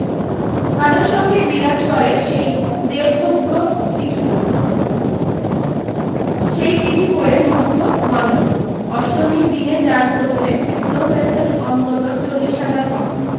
তাদের সঙ্গেই বিরাজ করে সেই দেবভোগ্য খিচুড়ি সেই চিঠি পড়ে মুগ্ধ মনমোহন অষ্টমীর দিনে যার ভোজনে তৃপ্ত হয়েছেন অন্তত চল্লিশ হাজার ভক্ত